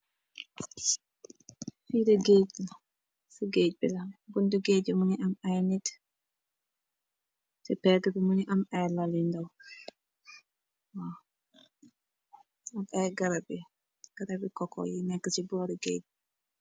fi deh gage lah. ci gage bi la, buntu géej munu am ay nit ci pegg bi mënu am ay lalindaw ak ay garabi koko yi nekk ci boori gaje